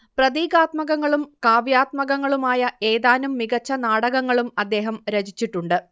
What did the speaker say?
പ്രതീകാത്മകങ്ങളും കാവ്യാത്മകങ്ങളുമായ ഏതാനും മികച്ച നാടകങ്ങളും അദ്ദേഹം രചിച്ചിട്ടുണ്ട്